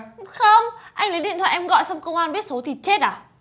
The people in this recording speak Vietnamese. không anh lấy điện thoại em gọi xong công an biết số thì chết à